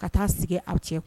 Ka taa sigi aw cɛ